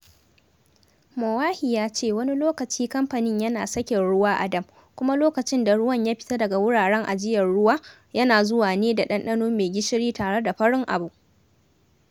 Moahi ya ce wani lokaci kamfanin yana sakin ruwa a dam, kuma lokacin da ruwan ya fita daga wuraren ajiyar ruwa, yana zuwa ne da ɗanɗano mai gishiri tare da farin abu.